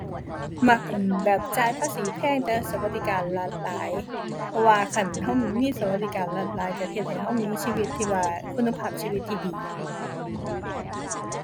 มัก อั่น แบบจ่ายภาษีแพงแต่สวัสดิการรัฐหลาย เพราะว่าคันเรามีสวัสดิการรัฐหลายเราเฮ็ดให้เรามีชีวิตที่ว่าคุณภาพชีวิตที่ดี